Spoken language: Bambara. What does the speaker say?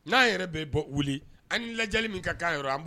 Na yɛrɛ bi bɔ Huli . An ni ladiyali min ka kan yɔrɔ